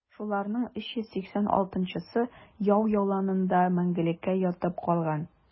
Шуларның 386-сы яу яланында мәңгелеккә ятып калган.